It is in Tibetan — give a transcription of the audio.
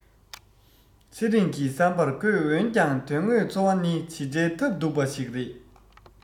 ཚེ རིང གི བསམ པར ཁོས འོན ཀྱང དོན དངོས འཚོ བ ནི ཇི འདྲའི ཐབས སྡུག པ ཞིག རེད